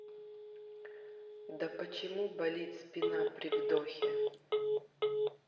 да почему болит спина при вдохе